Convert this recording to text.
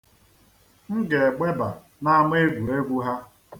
M ga-egbeba n'ama egwuregwu ha.